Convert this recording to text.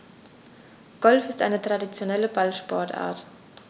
Golf ist eine traditionelle Ballsportart.